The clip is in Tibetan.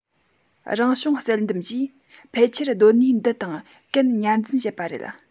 རང བྱུང བསལ འདེམས ཀྱིས ཕལ ཆེར གདོད ནུས འདི དང གན ཉར འཛིན བྱེད པ རེད